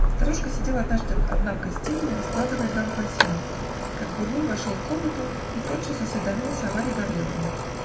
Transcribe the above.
Старушка сидела однажды одна в гостиной, раскладывая гранпасьянс, как Бурмин вошел в комнату и тотчас осведомился о Марье Гавриловне.